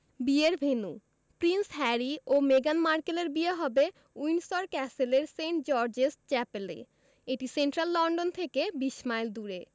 বিয়ের venue prince Harry ও মেগান মার্কেলের বিয়ে হবে উইন্ডসর ক্যাসেলের সেন্ট জর্জেস চ্যাপেলে এটি সেন্ট্রাল লন্ডন থেকে ২০ মাইল দূরে